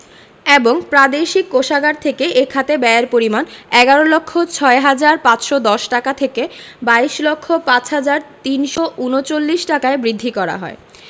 এবং প্রাদেশিক কোষাগার থেকে এ খাতে ব্যয়ের পরিমাণ ১১ লক্ষ ৬ হাজার ৫১০ টাকা থেকে ২২ লক্ষ ৫ হাজার ৩৩৯ টাকায় বৃদ্ধি করা হয়